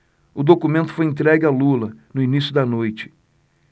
o documento foi entregue a lula no início da noite